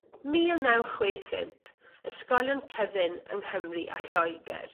Mil naw chwe phump ysgolion cyfun yng Nghymru a Lloegyr.